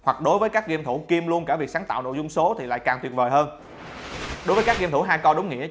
hoặc đối với các game thủ kiêm luôn cả việc sáng tạo nội dung số thì càng tuyệt vời hơn với các game thủ hardcore đúng nghĩa